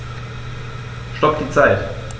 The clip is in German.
Stopp die Zeit